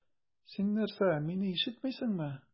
Син нәрсә, мине ишетмисеңме?